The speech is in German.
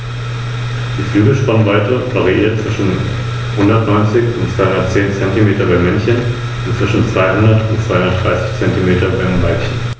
Rom wurde damit zur ‚De-Facto-Vormacht‘ im östlichen Mittelmeerraum.